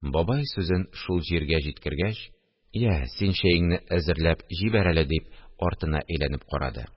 – бабай, сүзен шул җиргә җиткергәч: – йә, син чәеңне хәзерләп җибәр әле, – дип, артына әйләнеп карады